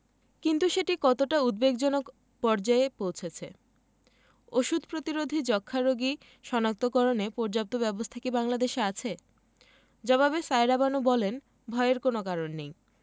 কিন্তু সেটি কতটা উদ্বেগজনক পর্যায়ে পৌঁছেছে ওষুধ প্রতিরোধী যক্ষ্মা রোগী শনাক্তকরণে পর্যাপ্ত ব্যবস্থা কি বাংলাদেশে আছে জবাবে সায়েরা বানু বলেন ভয়ের কোনো কারণ নেই